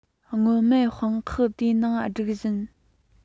སྔོན མེད དཔུང ཁག དེ ནང སྒྲིག བཞིན